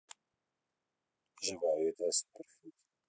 живая еда суперфуд